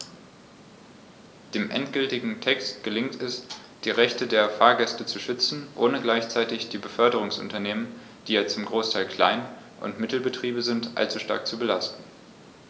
Dem endgültigen Text gelingt es, die Rechte der Fahrgäste zu schützen, ohne gleichzeitig die Beförderungsunternehmen - die ja zum Großteil Klein- und Mittelbetriebe sind - allzu stark zu belasten.